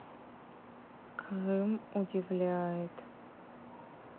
крым удивляет